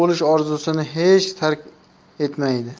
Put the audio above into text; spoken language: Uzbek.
bo'lish orzusini hech tark etmaydi